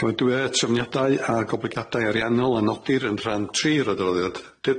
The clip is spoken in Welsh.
Cymeradwyo trefniadau a goblygiadau ariannol a nodir yn rhan tri'r adroddiad.